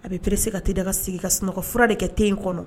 A bɛ pressé ka tedaga sigi ka sunɔgɔfura de kɛ te in kɔnɔ